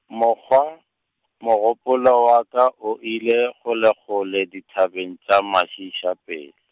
mokgwa, mogopolo wa ka o ile kgolekgole dithabeng tša mašiišapelo.